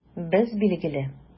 Без, билгеле!